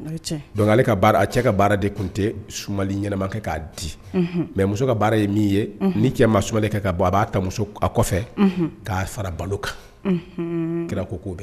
dɔnku ale ka baara a cɛ ka baara de tun tɛ sumali ɲanamakɛ k'a di mɛ muso ka baara ye min ye ni cɛ ma sumali kɛ ka bɔ a b'a muso a kɔfɛ k'a fara balo kan kira .